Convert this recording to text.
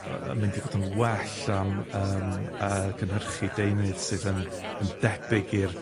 yy yn mynd i fod yn well am, yym, yy, cynhyrchu deunydd sydd yn yn debyg i'r